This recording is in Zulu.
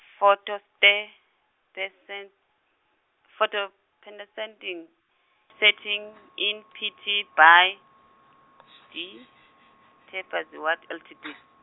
photo te- tesen- photo setting in P T by D te- by the what L T D.